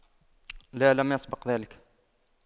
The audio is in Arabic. لا لم يسبق ذلك